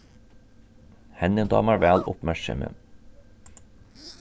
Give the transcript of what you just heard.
henni dámar væl uppmerksemi